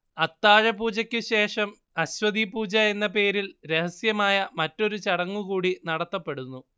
അത്താഴപൂജക്ക് ശേഷം അശ്വതീപൂജ എന്ന പേരിൽ രഹസ്യമായ മറ്റൊരു ചടങ്ങൂകൂടി നടത്തപ്പെടുന്നു